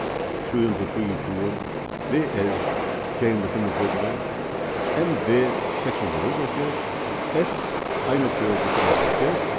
trý hundrað og trýogtjúgu v r sjey hundrað og fimmogtretivu m b seks hundrað og níggjuoghálvfjerðs f einogfjøruti fimm hundrað og hálvfjerðs